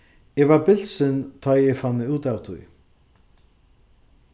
eg varð bilsin tá ið eg fann út av tí